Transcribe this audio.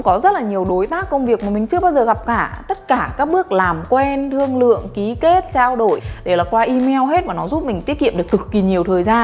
có rất là nhiều đối tác công việc mà mình chưa bao giờ gặp cả tất cả các bước làm quen thương lượng kí kết trao đổi đều là qua email hết và nó giúp mình tiết kiệm được cực kì nhiều thời gian